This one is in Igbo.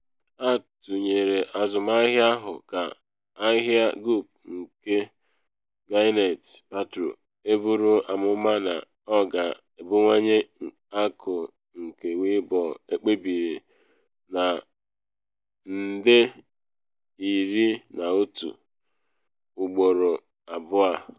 Atụnyere azụmahịa ahụ ka ahịa Goop nke Gwyneth Paltrow, eburu amụma na ọ ga-ebuwanye akụ nke Willoughby ekpebiri na £11 million ugboro abụọ.